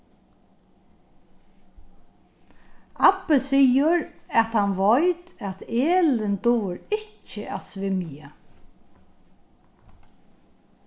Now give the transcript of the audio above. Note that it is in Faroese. abbi sigur at hann veit at elin dugir ikki at svimja